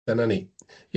Dyna ni.